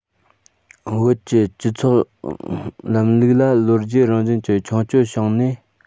བོད ཀྱི སྤྱི ཚོགས ལམ ལུགས ལ ལོ རྒྱུས རང བཞིན གྱི མཆོང སྐྱོད བྱུང ནས